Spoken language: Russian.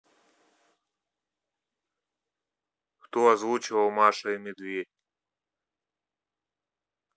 кто озвучивал маша и медведь